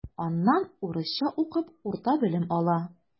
Аннан урысча укып урта белем ала.